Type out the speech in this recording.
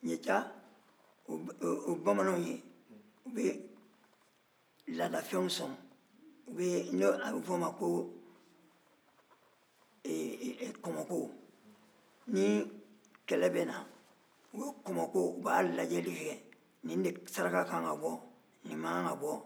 ɲica o ye bamananw ye u bɛ laadafɛnw sɔn u bɛ a bɛ f'o ma ko kɔmɔko ni kɛlɛ bɛ na u bɛ kɔmɔko u b'a lajɛli kɛ nin de saraka ka kan ka bɔ nin ma kan tɛ ka bɔ